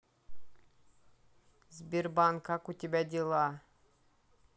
сбербанк как у тебя дела